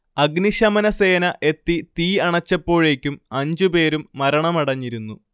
അഗ്നിശമന സേന എത്തി തീ അണച്ചപ്പോഴേക്കും അഞ്ചു പേരും മരണമടഞ്ഞിരുന്നു